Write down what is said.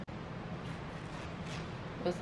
Og s...